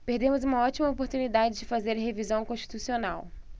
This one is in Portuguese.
perdemos uma ótima oportunidade de fazer a revisão constitucional